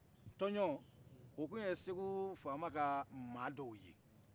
tɔnjɔnw o kun ye segu faama ke ma dɔw ye